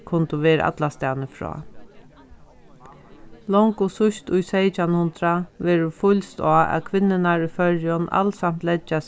kundu vera allastaðni frá longu síðst í seytjan hundrað verður fýlst á at kvinnurnar í føroyum alsamt leggja